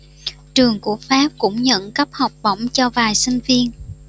trường của pháp cũng nhận cấp học bổng cho vài sinh viên